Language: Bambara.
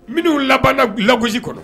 Minnuu labanda lagsi kɔnɔ